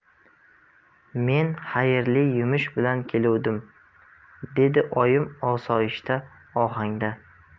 men bir xayrli yumush bilan keluvdim dedi oyim osoyishta ohangda